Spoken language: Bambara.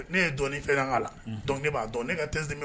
Ne ye dɔɔnin fɛngɛ a la donc ne b'a dɔn ne ka thèse de me